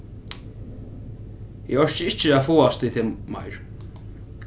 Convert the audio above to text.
eg orki ikki at fáast við teg meir